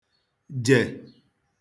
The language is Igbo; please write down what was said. jè